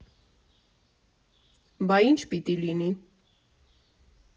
Բա ի՞նչ պիտի լինի։